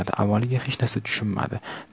avvaliga hech narsa tushunmadi